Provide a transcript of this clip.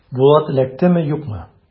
Булат эләктеме, юкмы?